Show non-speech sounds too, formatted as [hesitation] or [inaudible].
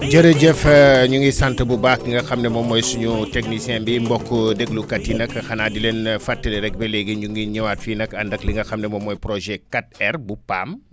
[music] j [hesitation] rëjëf [hesitation] ñu ngi sant bu baax ki nga xam ne moom mooy suñu technicien bi [music] mbokku déglukat yi nag xanaa di leen fàttali rek ba léegi ñu ngi ñëwaat fii nag ànd ak li nga xam ne moom mooy projet 4R bu PAM